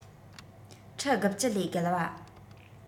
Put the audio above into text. ཁྲི ༩༠ ལས བརྒལ བ